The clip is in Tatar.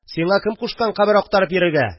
Сиңа кем кушкан кабер актарып йөрергә